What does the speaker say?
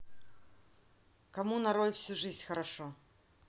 кому нарой всю жизнь хорошо